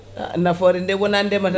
a nafoore nde woona ndeema tan nafoore